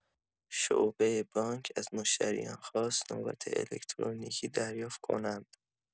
شعبه بانک از مشتریان خواست نوبت الکترونیکی دریافت کنند.